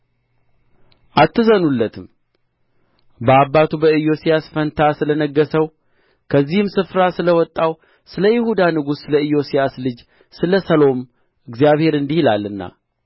አትዘኑለትም በአባቱ በኢዮስያስ ፋንታ ስለ ነገሠው ከዚህም ስፍራ ስለ ወጣው ስለ ይሁዳ ንጉሥ ስለ ኢዮስያስ ልጅ ስለ ሰሎም እግዚአብሔር እንዲህ ይላልና